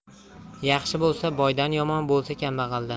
yaxshi bo'lsa boydan yomon bo'lsa kambag'aldan